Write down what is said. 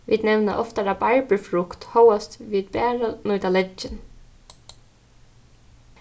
vit nevna ofta rabarbur frukt hóast vit bara nýta leggin